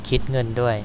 คิดเงินด้วย